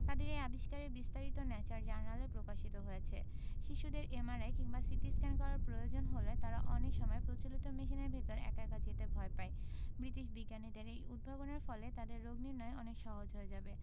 তাদের এই আবিষ্কারের বিস্তারিত ন্যাচার জার্নালে প্রকাশিত হয়েছে শিশুদের এমআরআই কিংবা সিটিস্ক্যান করার প্রয়োজন হলে তারা অনেক সময় প্রচলিত মেশিনের ভেতর একা একা যেতে ভয় পায় ব্রিটিশ বিজ্ঞানীদের এই উদ্ভাবনের ফলে তাদের রোগনির্নয় অনেক সহজ হয়ে যাবে